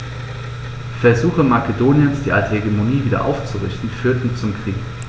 Versuche Makedoniens, die alte Hegemonie wieder aufzurichten, führten zum Krieg.